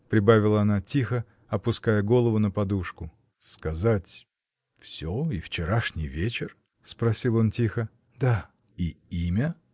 — прибавила она тихо, опуская голову на подушку. — Сказать. всё: и вчерашний вечер?. — спросил он тихо. — Да. — И имя?.